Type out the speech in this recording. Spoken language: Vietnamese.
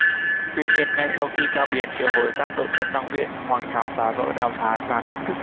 tuy nhiên ngay sau khi cao biền triệu hồi các đội quân tăng viện hoàng sào phá vỡ đàm phán và thách thức